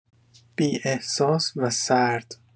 بی‌احساس و سرد